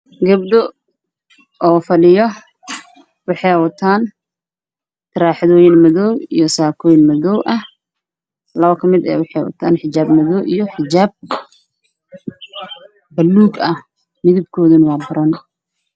Waa gabdho fadhiya waxey wataan saakoyin madow ah